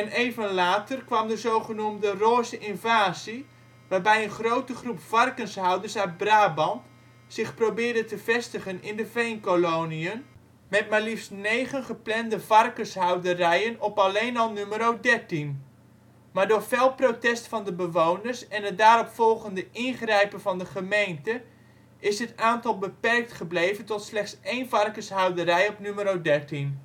even later kwam de zogenoemde " roze invasie ", waarbij een grote groep varkenshouders uit Brabant zich probeerde te vestigen in de veenkoloniën, met maar liefst 9 geplande varkenshouderijen op alleen al Numero Dertien! Maar door fel protest van de bewoners en het daaropvolgende ingrijpen van de gemeente is dit aantal beperkt gebleven tot slechts 1 varkenshouderij op Numero Dertien